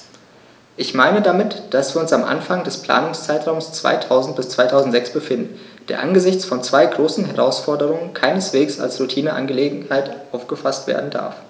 Ich meine damit, dass wir uns am Anfang des Planungszeitraums 2000-2006 befinden, der angesichts von zwei großen Herausforderungen keineswegs als Routineangelegenheit aufgefaßt werden darf.